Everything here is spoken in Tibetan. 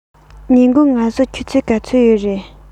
ཉིན གུང ངལ གསོ ཆུ ཚོད ག ཚོད ཡོད རས